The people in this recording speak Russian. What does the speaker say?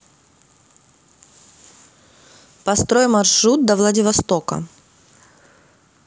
построй маршрут до владивостока